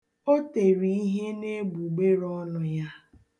O tere ihe n'egbugbereọnụ ya.